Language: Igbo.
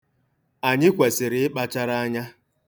Anyị kwesịrị ịkpachara anya.